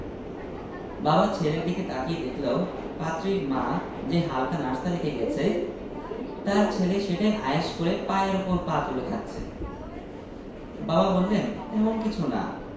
আমি কী চাকরি করি সেটা না বলে বাবা বিস্মিত কণ্ঠে বলল ও তাহলে সেটা তো তারা সরাসরি জিজ্ঞেস করতে পারত ছেলে কী চাকরি করে তুই ওই সময়টায় কী করছিস